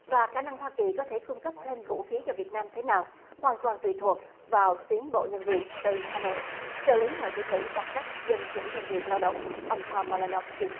và khả năng hoa kỳ có thể cung cấp thêm vũ khí cho việt nam thế nào hoàn toàn tùy thuộc vào tiến bộ nhân quyền từ hà nội trợ lý ngoại trưởng mỹ đặc trách dân chủ nhân quyền lao động ông thôm ma lin nóp sờ ki